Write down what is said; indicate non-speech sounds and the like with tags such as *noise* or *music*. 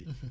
*hesitation* *hesitation*